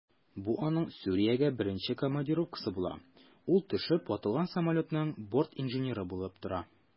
Бу аның Сүриягә беренче командировкасы була, ул төшеп ватылган самолетның бортинженеры булып тора.